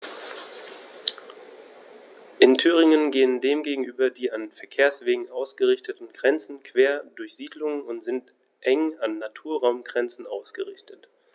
In Thüringen gehen dem gegenüber die an Verkehrswegen ausgerichteten Grenzen quer durch Siedlungen und sind eng an Naturraumgrenzen ausgerichtet.